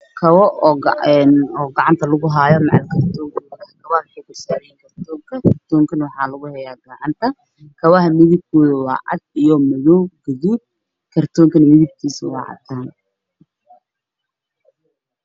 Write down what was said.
Kabo guud ah waxay dul saaran yihiin kartoon gacanta lagu hayaa ayeygii kartoonkaba kartaanka midabkii se waa caddaan